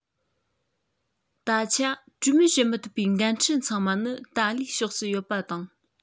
ད ཆ གྲོས མོལ བྱེད མི ཐུབ པའི འགན འཁྲི ཚང མ ནི ཏཱ ལའི ཕྱོགས སུ ཡོད པ དང